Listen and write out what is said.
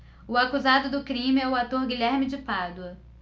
o acusado do crime é o ator guilherme de pádua